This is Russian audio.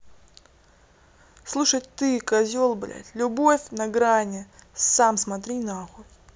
слушать ты козел блядь любовь на грани сам смотри нахуй